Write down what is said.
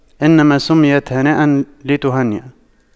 إنما سُمِّيتَ هانئاً لتهنأ